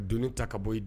Donni ta ka bɔ in